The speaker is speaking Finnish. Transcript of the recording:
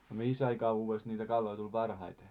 no mihin aikaan vuodesta niitä kaloja tuli parhaiten